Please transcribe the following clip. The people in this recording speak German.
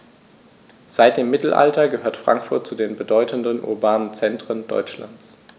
Seit dem Mittelalter gehört Frankfurt zu den bedeutenden urbanen Zentren Deutschlands.